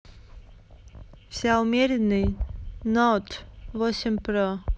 вся умеренный note восемь pro